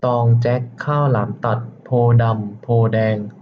ตองแจ็คข้าวหลามตัดโพธิ์ดำโพธิ์แดง